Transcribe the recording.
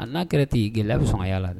A n'a kɛra ten, gɛlɛya bɛ sɔn ka y'ala dɛ